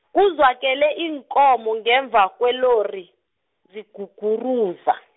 kuzwakale iinkomo ngemva kwelori, ziguguruza.